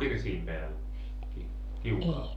hirsien päällä kiuas